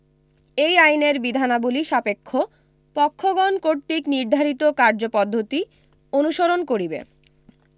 এই আইনের বিধানাবলী সাপেক্ষ পক্ষগণ কর্তৃক নির্ধারিত কার্যপদ্ধতি অনুসরণ করিবে